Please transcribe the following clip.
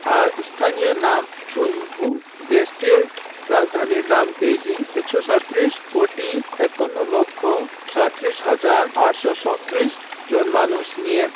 আর স্থানীয় নাম ঝুংঘু দেশটির রাজধানীর নাম বেইজিং ১৩৭ কোটি ৫১ লক্ষ ৩৭ হাজার ৮৩৭ জন মানুষ নিয়ে